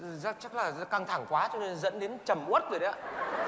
chắc là căng thẳng quá cho nên là dẫn đến trầm uất rồi đấy ạ